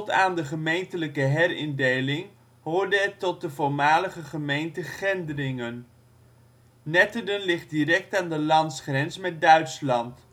aan de gemeentelijke herindeling hoorde het tot de voormalige gemeente Gendringen. Netterden ligt direct aan de landsgrens met Duitsland